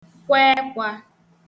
kwẹ ẹkwā